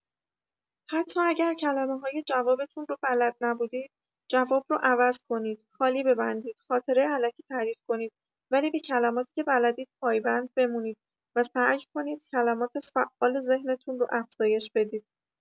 حتی اگر کلمه‌های جوابتون رو بلد نبودید جواب رو عوض کنید، خالی ببندید، خاطره الکی تعریف کنید ولی به کلماتی که بلدید پایبند بمونید و سعی کنید کلمات فعال ذهنتون رو افزایش بدید.